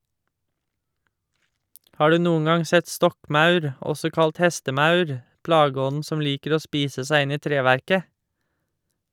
Har du noen gang sett stokkmaur, også kalt hestemaur, plageånden som liker å spise seg inn i treverket?